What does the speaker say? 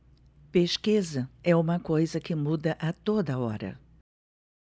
pesquisa é uma coisa que muda a toda hora